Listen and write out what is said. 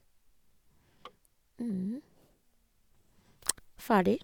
Ferdig.